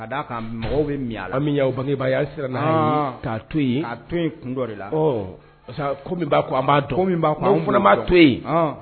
A bɛ y' bange' sera' to a to kun dɔ de la b'a dɔgɔ min an fana' to ye